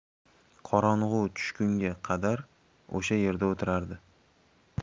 qorong'i tushgunga qadar o'sha yerda o'tirardi